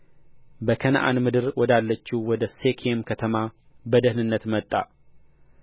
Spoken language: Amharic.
በከነዓን ምድር ወዳለችው ወደ ሴኬም ከተማ በደኅንነት መጣ